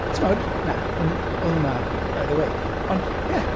Timod? Na. O'n i- oedd hwnna . Ond ie.